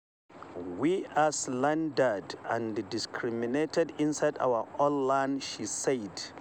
We are slandered and discriminated inside our own land, she said.